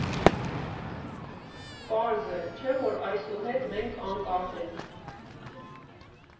Պարզ է, չէ՞, որ այսուհետ մենք անկախ ենք։